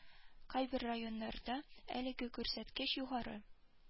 Кайбер районнарда әлеге күрсәткеч югары